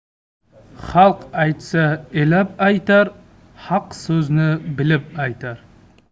xalq aytsa elab aytar haq so'zni bilib aytar